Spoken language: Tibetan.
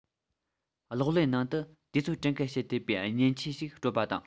གློག ཀླད ནང དུ དུས ཚོད དྲན སྐུལ བྱེད ཐུབ པའི མཉེན ཆས ཞིག སྤྲོད པ དང